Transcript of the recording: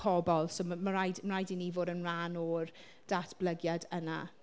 pobl. So ma' ma raid ma' raid i ni fod yn rhan o'r datblygiad yna.